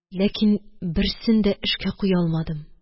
Ләкин берсен дә эшкә куя алмадым.